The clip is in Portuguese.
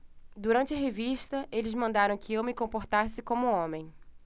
durante a revista eles mandaram que eu me comportasse como homem